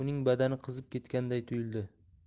uning badani qizib ketganday tuyuldi